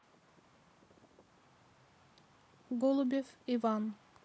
голубев иван